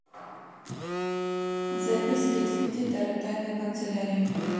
записки экспедитора тайной канцелярии